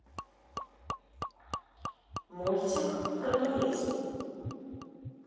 мультик про туризм